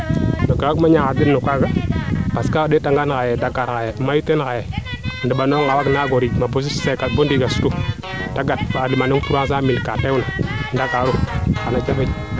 ka waag ma ñaaxa den no kaaga parce que a ndeeta ngaan xaye Dakar xaye mayu teen xaye o neɓanongaxa waag na ndiing no bo ndiing a sutu te gar a lima nong 300 mille kaa teg na Ndakarou xana jafeñ